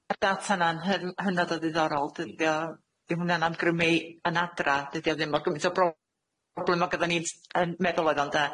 Y data yna'n hyn- hynod o ddiddorol dyddio dyw hwnna'n amgrymu yn adra dydi o ddim o gymaint o bro- problem o gyda ni'n s- yn meddwl oedd o ynde?